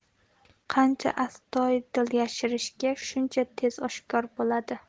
qancha astoydil yashirishsa shuncha tez oshkor bo'ladi